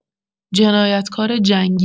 جنایتکار جنگی